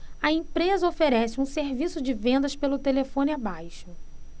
a empresa oferece um serviço de vendas pelo telefone abaixo